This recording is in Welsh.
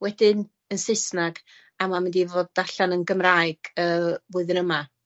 wedyn yn Saesnag, a ma'n mynd i fod allan yn Gymraeg y flwyddyn yma.